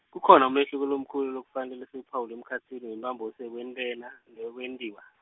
kukhona umehluko lomkhulu lekufanele siwuphawule emkhatsini wemphambosi yekwentena neyekwentiwa.